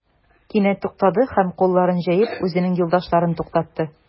Кинәт туктады һәм, кулларын җәеп, үзенең юлдашларын туктатты.